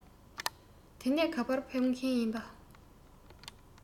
དེ ནས ག པར ཕེབས མཁན ཡིན པྰ